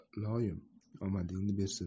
iloyim omadingni bersin